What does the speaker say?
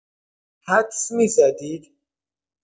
حدس می‌زدید؟!